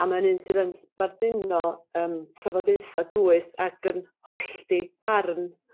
A ma'n un sydd yn sbardino yym trafodaetha dwys ac yn hollti barn.